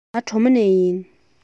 ང གྲོ མོ ནས ཡིན